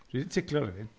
Dwi 'di ticlo rhywun.